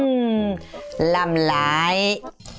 ư làm lại